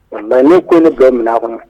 Nka ne ko ne bɛ mina kɔnɔ